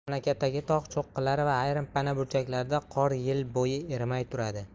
mamlakatdagi tog' cho'qqilari va ayrim pana burchaklarda qor yil bo'yi erimay turadi